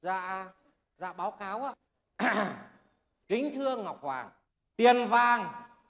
dạ dạ báo cáo ạ kính thưa ngọc hoàng tiền vàng